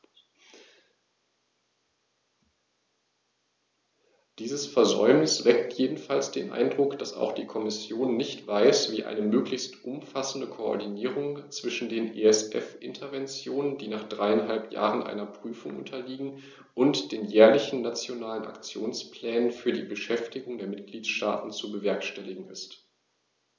Dieses Versäumnis weckt jedenfalls den Eindruck, dass auch die Kommission nicht weiß, wie eine möglichst umfassende Koordinierung zwischen den ESF-Interventionen, die nach dreieinhalb Jahren einer Prüfung unterliegen, und den jährlichen Nationalen Aktionsplänen für die Beschäftigung der Mitgliedstaaten zu bewerkstelligen ist.